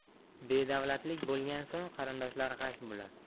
bedavlatlik bo'lgan so'ng qarindoshlar g'ash bo'lar